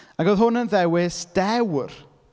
Ac oedd hwn yn ddewis dewr.